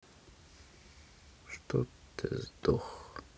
чтоб ты сдох